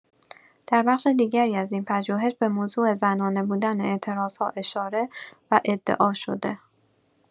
در بخش دیگری از این پژوهش به موضوع زنانه بودن اعتراض‌ها اشاره و ادعا شده